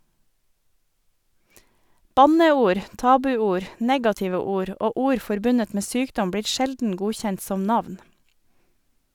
Banneord, tabuord, negative ord og ord forbundet med sykdom blir sjelden godkjent som navn.